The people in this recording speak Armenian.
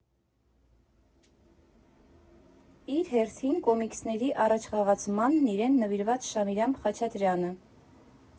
Իր հերթին կոմիքսների առաջխաղացմանն իրեն նվիրած Շամիրամ Խաչատրյանը։